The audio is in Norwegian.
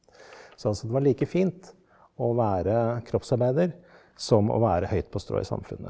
så altså det var like fint å være kroppsarbeider som å være høyt på strå i samfunnet.